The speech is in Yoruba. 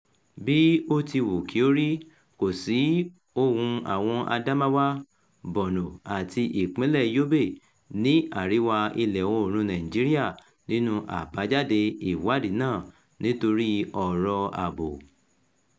Bí ó ti wù kíó rí, kò sí ohùn àwọn Adamawa, Borno, àti ìpínlẹ̀ Yobe ní àríwá ìlà-oòrùn Nàìjíríà nínú àbájáde ìwádìí náà nítorí ọ̀rọ̀ ààbò.